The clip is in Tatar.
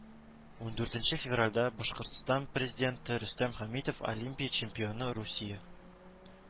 Ундүртенче февральдә башкортстан президенты рөстәм хәмитов олимпия чемпионы, русия